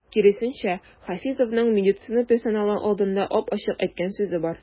Киресенчә, Хафизовның медицина персоналы алдында ап-ачык әйткән сүзе бар.